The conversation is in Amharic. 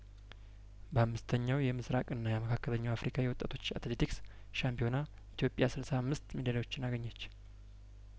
በአምስተኛው የምስራቅና የመካከለኛው አፍሪካ የወጣቶች አትሌቲክስ ሻምፒዮና ኢትዮጵያ ስልሳ አምስት ሜዳሊያዎች አገኘች